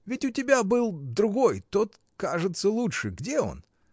— Ведь у тебя был другой: тот, кажется, лучше: где он?